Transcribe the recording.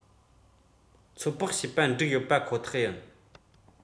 ཚོད དཔག བྱས པ འགྲིག ཡོད པ ཁོ ཐག ཡིན